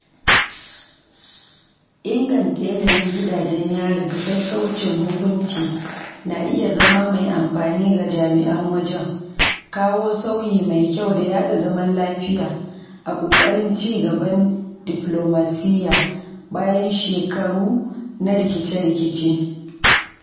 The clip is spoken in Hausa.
Inganta yanayin gidajen yari da sassaucin hukunci na iya zama mai amfani ga jami'an wajen kawo sauyi mai kyau da yaɗa zaman lafiya a ƙoƙarin cigaban diflomasiyya, bayan shekaru na rikice-rikice.